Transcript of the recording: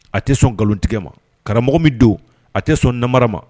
A tɛ sɔn nkalontigɛ ma karamɔgɔ min don a tɛ sɔn namara ma